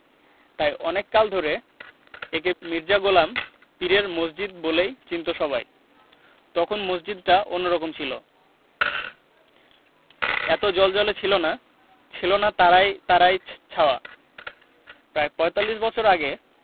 তাই অনেক কাল ধরে একে মির্জা গোলাম পীরের মসজিদ বলেই চিনতো সবাই তখন মসজিদটা অন্যরকম ছিল এত জ্বলজ্বলে ছিল না ছিলনা তারায় তারায় ছাওয়া প্রায় পঁয়তাল্লিশ বছর আগে